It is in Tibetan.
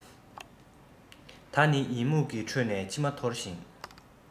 ད ནི ཡི མུག གི ཁྲོད ནས མཆི མ གཏོར ཞིང